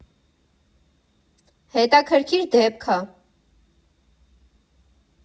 Հետաքրքիր դեպք ա։